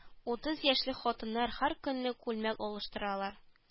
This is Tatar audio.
Утыз яшьлек хатыннар һәр көнне күлмәк алыштыралар